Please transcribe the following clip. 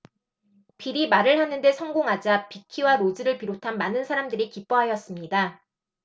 빌이 말을 하는 데 성공하자 빅키와 로즈를 비롯한 많은 사람들이 기뻐하였습니다